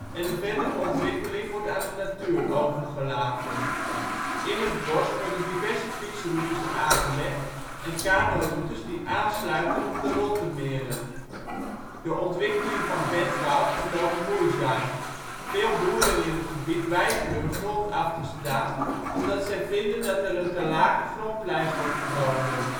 en de verdere ontwikkeling wordt aan de natuur overgelaten. In het bos worden diverse fietsroutes aangelegd en kanoroutes die aansluiten op de Rottemeren. De ontwikkeling van het Bentwoud verloopt moeizaam. Veel boeren in het gebied weigeren hun grond af te staan, omdat zij vinden dat er een te lage grondprijs wordt geboden